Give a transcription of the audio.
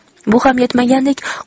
bu ham yetmagandek